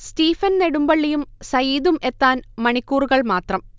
Stephen നെടുമ്ബളളിയും സയീദും എത്താൻ മണിക്കൂറുകൾ മാത്രം